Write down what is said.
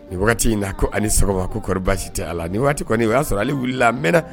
Ni waati wagati in na ko ani sɔgɔma ko kɔrɔ baasi tɛ a la ni waati kɔni o y'a sɔrɔ ale wulila mɛnna